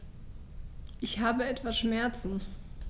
Ich habe etwas Schmerzen.